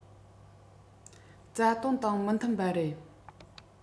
རྩ དོན དང མི མཐུན པ རེད